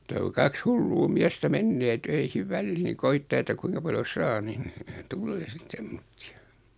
mutta kun kaksi hullua miestä menee töihin väliin koettaa että kuinka paljon saa niin tulee sitten semmoisia